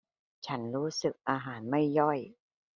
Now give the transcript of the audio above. ฉันรู้สึกอาหารไม่ย่อย